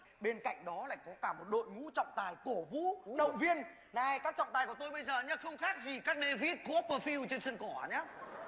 bên cạnh đó lại có cả một đội ngũ trọng tài cổ vũ động viên này các trọng tài của tôi bây giờ nhá không khác gì các đê vít cốt bờ phiu trên sân cỏ nhá